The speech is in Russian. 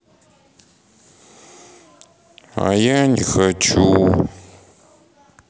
а я не хочу